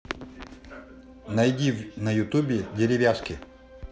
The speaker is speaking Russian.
найди на ютубе деревяшки